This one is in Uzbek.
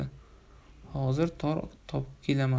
hozir tor topib kelaman